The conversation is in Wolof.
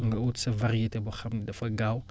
nga ut sa variété boo xam ne dafa gaaw